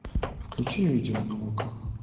включи видео на окко